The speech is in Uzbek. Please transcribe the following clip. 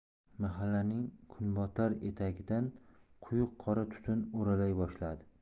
mahallaning kunbotar etagidan quyuq qora tutun o'rlay boshladi